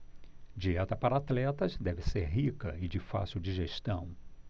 dieta para atletas deve ser rica e de fácil digestão